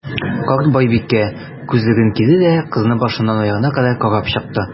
Карт байбикә, күзлеген киде дә, кызны башыннан аягына кадәр карап чыкты.